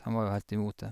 Han var jo helt imot det.